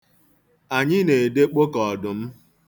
Anyị na-edekpo ka ọdụm.